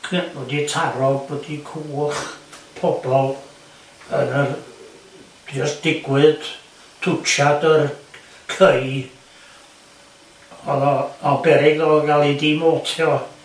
cy- wedi taro cwch pobol yn yr jys- digwyd twsiad yr cei o'dd o o'n beryg o gael ei dimotio.